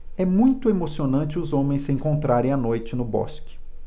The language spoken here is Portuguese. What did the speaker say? é muito emocionante os homens se encontrarem à noite no bosque